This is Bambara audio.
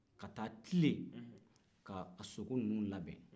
ka taa tilen ka sogo nunun labɛn